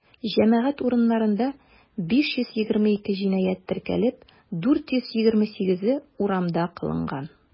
Җәмәгать урыннарында 522 җинаять теркәлеп, 428-е урамда кылынган.